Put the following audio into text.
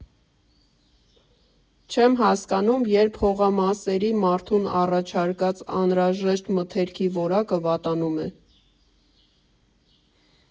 Չեմ հասկանում, երբ հողամասերի՝ մարդուն առաջարկած անհրաժեշտ մթերքի որակը վատանում է։